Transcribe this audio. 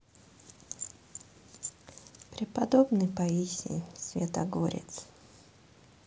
преподобный паисий святогорец